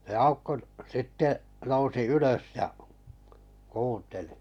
se Aukko sitten nousi ylös ja kuunteli